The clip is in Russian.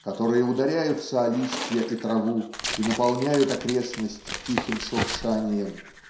которые ударяются о листья и траву и наполняют окрестность тихим шуршанием.